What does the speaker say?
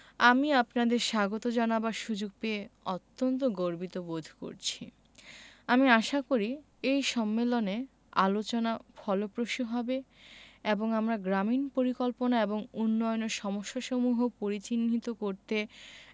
আমি আপনাদের স্বাগত জানাবার সুযোগ পেয়ে অত্যন্ত গর্বিত বোধ করছি আমি আশা করি এ সম্মেলনে আলোচনা ফলপ্রসূ হবে এবং আমরা গ্রামীন পরিকল্পনা এবং উন্নয়নের সমস্যাসমূহ পরিচিহ্নিত করতে